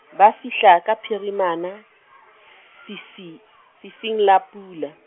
ba fihla ka phirimana, fifi-, fifing la pula.